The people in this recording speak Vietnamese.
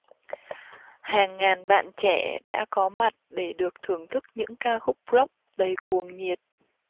hàng ngàn bạn trẻ đã có mặt để được thưởng thức những ca khúc rock đầy cuồng nhiệt